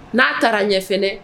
N'a taara ɲɛ fɛnɛ